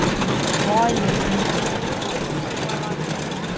vágin vinnur